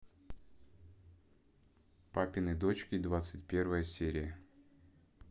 папины дочки двадцать первая серия